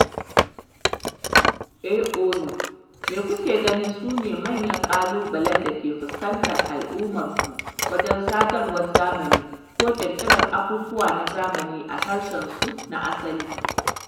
(AOY): Me kuke ganin sune manyan ƙalubalen da ke fuskantar al'ummarku wajen sadarwar zamani ko ƙirƙirar abubuwa na zamani a harshensu na asali?